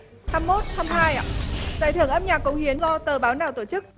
hăm mốt hăm hai ạ giải thưởng âm nhạc cống hiến do tờ báo nào tổ chức